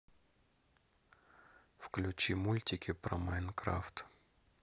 включи мультики про майнкрафт